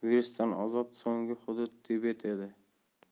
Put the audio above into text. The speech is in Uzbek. qayd etilgan virusdan ozod so'nggi hudud tibet edi